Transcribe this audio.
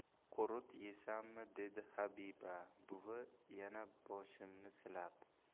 qurut yeysanmi dedi habiba buvi yana boshimni silab